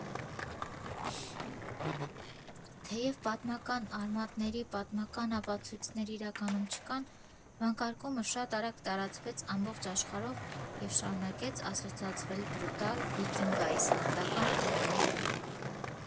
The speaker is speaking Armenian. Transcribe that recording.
Թեև պատմական արմատների պատմական ապացույցներ իրականում չկան, վանկարկումը շատ արագ տարածվեց ամբողջ աշխարհով և շարունակեց ասոցացվել բրուտալ վիկինգաիսլանդական թեմայի հետ։